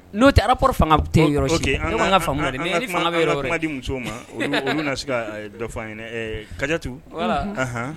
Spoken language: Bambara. N'o tɛ alap fanga yɔrɔdi musow ma an bɛna se ka dɔ katu